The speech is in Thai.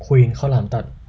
ควีนข้าวหลามตัด